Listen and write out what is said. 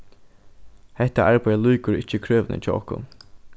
hetta arbeiðið lýkur ikki krøvini hjá okkum